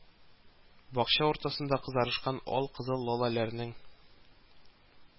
Бакча уртасында кызарышкан ал, кызыл лаләләрнең